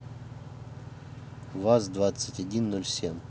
ваз двадцать один ноль семь